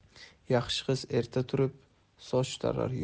yaxshi qiz erta turib soch tarar